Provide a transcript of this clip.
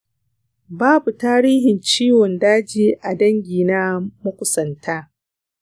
babu tarihin ciwo daji a dangina makusanta